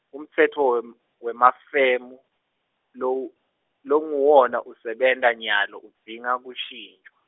umtsetfo wem- wemafemu, lowu- longuwona usebenta nyalo udzinga kushintjwa.